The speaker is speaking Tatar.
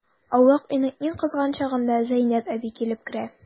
Аулак өйнең иң кызган чагында Зәйнәп әби килеп керә.